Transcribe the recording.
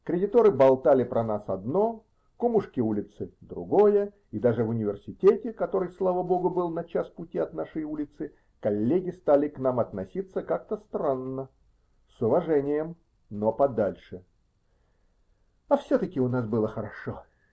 Кредиторы болтали про нас одно, кумушки улицы -- другое, и даже в университете, который, слава Богу, был на час пути от нашей улицы, коллеги стали к нам относиться как-то странно: с уважением, но подальше. А все-таки у нас было хорошо.